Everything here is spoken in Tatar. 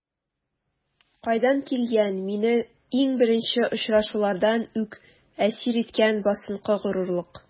Кайдан килгән мине иң беренче очрашулардан үк әсир иткән басынкы горурлык?